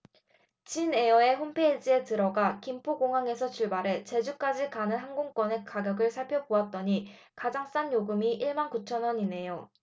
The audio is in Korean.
진에어의 홈페이지에 들어가 김포공항에서 출발해 제주까지 가는 항공권의 가격을 살펴 보았더니 가장 싼 요금이 일 만 구천 원이네요